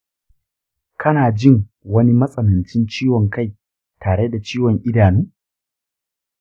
kana jin wani matsanancin ciwon kai tare da ciwon idanu?